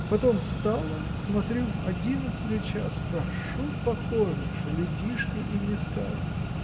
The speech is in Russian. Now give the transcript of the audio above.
Потом встала, смотрю: одиннадцатый час – прошу покорнейше! людишки и не скажут!